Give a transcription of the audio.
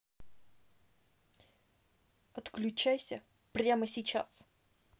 отключайся прямо сейчас